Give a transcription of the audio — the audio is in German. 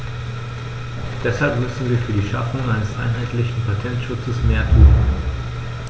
Deshalb müssen wir für die Schaffung eines einheitlichen Patentschutzes mehr tun.